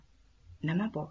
nima bu